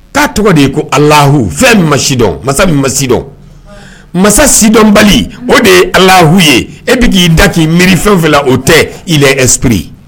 K'a tɔgɔ de ye ko alahu fɛn ma sidɔn masa masidɔn masa sidɔnbali o de ye alahu ye e bɛ k'i da k'i miiri fɛnfɛ o tɛ i la espurri